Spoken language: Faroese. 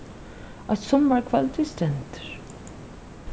eitt summarkvøld við strendur